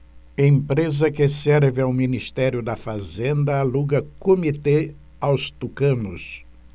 empresa que serve ao ministério da fazenda aluga comitê aos tucanos